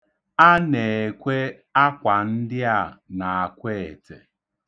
A na-ekwe akwa ndị a n'Akweete.